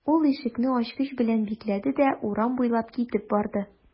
Ул ишекне ачкыч белән бикләде дә урам буйлап китеп барды.